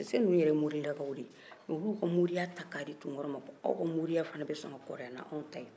sise ninnu yɛrɛ ye morilakaw de ye nka u y'u ka moriya ta k'a di tunkaraw ma ko aw ka mɔriya fana bɛ sɔn ka kɔrɔya ni anw ta ye